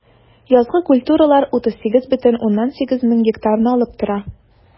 Язгы культуралар 38,8 мең гектарны алып тора.